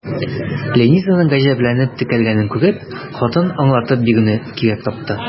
Ленизаның гаҗәпләнеп текәлгәнен күреп, хатын аңлатып бирүне кирәк тапты.